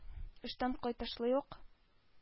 Эштән кайтышлый ук,